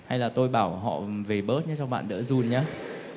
hay là tôi bảo họ vì bớt nhớ cho bạn đỡ run nhớ